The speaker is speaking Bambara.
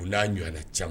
U n'a ɲɔgɔnna caman